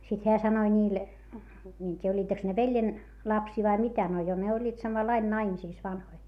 sitten hän sanoi niille minä en tiedä olivatkos ne veljen lapsia vai mitä no jo ne olivat samalla lailla naimisissa vanhoja